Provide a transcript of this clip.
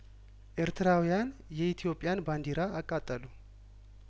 ኤርትራውያን የኢትዮጵያን ባንዲራ አቃጠሉ